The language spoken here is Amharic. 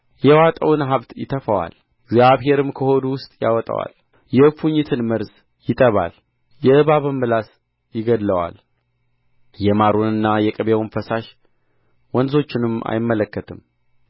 የዋጠውን ሀብት ይተፋዋል እግዚአብሔርም ከሆዱ ውስጥ ያወጣዋል የእፉኝትን መርዝ ይጠባል የእባብም ምላስ ይገድለዋል የማሩንና የቅቤውን ፈሳሽ ወንዞቹንም አይመለከትም